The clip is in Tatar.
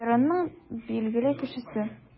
Районның билгеле кешесе.